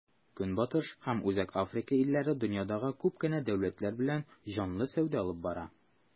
Көнбатыш һәм Үзәк Африка илләре дөньядагы күп кенә дәүләтләр белән җанлы сәүдә алып бара.